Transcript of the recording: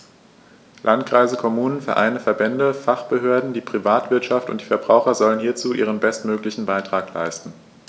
Landkreise, Kommunen, Vereine, Verbände, Fachbehörden, die Privatwirtschaft und die Verbraucher sollen hierzu ihren bestmöglichen Beitrag leisten.